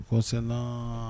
Concernant